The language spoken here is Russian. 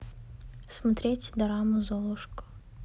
смотреть дораму золушка